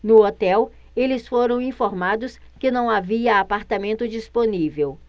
no hotel eles foram informados que não havia apartamento disponível